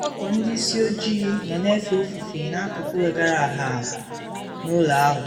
Ọgbakọ ndị isii ojii nọ na efe ofufe n’akụkụ wegara aha n’ụlọ ahụ.